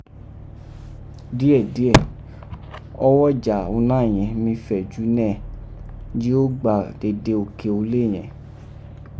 Diẹ diẹ, ọwọja uná yẹ̀n mí fẹju nẹ́ ẹ̀, ji ó wá gbà dede oke ulé yẹ̀n.